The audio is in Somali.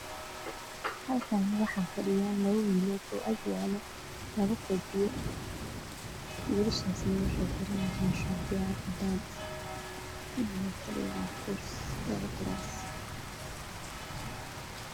Halkani waxa fadhiyo labo wiil waxa ag yaalo labo koob O biyo ah wiilashasi waxey xaran yihiin shaati